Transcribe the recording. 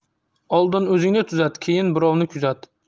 oldin o'zingni tuzat keyin birovni kuzat